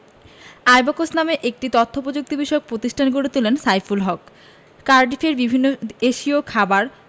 আইবকস নামে একটি তথ্যপ্যুক্তিবিষয়ক প্রতিষ্ঠান গড়ে তোলেন সাইফুল হক কার্ডিফের বিভিন্ন এশীয় খাবার